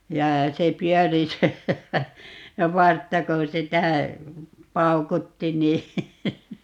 ja se pyöri se se vartta kun sitä paukutti niin